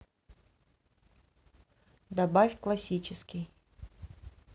добавь классический